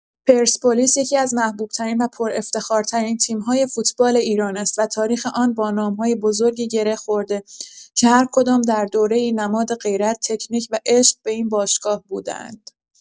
پرسپولیس یکی‌از محبوب‌ترین و پرافتخارترین تیم‌های فوتبال ایران است و تاریخ آن با نام‌های بزرگی گره خورده که هر کدام در دوره‌ای نماد غیرت، تکنیک و عشق به این باشگاه بوده‌اند.